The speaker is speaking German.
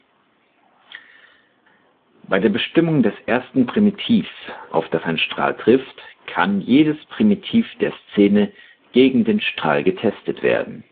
Bei der Bestimmung des ersten Primitivs, auf das ein Strahl trifft, kann, wie im weiter oben aufgeführten Beispielcode, jedes Primitiv der Szene gegen den Strahl getestet werden